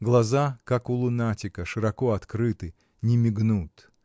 Глаза, как у лунатика, широко открыты, не мигнут